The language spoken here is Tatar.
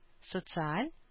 Социаль